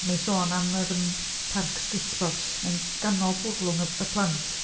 Mae'n sôn am yr yym parc skateboards. Mae'n ganol bwrlwm y plant.